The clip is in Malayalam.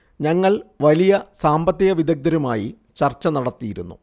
ഞങ്ങൾ വലിയ സാമ്പത്തിക വിദ്ഗധരുമായി ചർച്ച നടത്തിയിരുന്നു